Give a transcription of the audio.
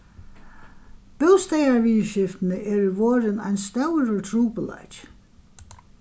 bústaðarviðurskiftini eru vorðin ein stórur trupulleiki